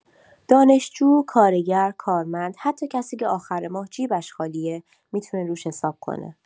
دانشجو، کارگر، کارمند، حتی کسی که آخر ماه جیبش خالیه، می‌تونه روش حساب کنه.